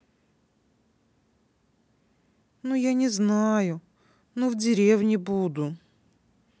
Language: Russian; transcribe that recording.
ну я не знаю но в деревню буду